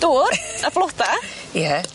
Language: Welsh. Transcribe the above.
Dŵr a bloda. Ie.